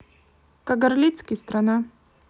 кагарлицкий страна